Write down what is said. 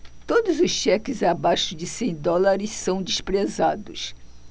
todos os cheques abaixo de cem dólares são desprezados